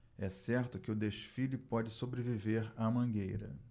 é certo que o desfile pode sobreviver à mangueira